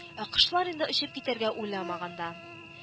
Ә кошлар инде очып китәргә уйламаган да